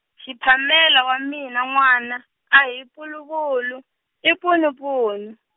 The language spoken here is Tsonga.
Shiphamela wa mina n'wana, a hi puluvulu, i punupunu.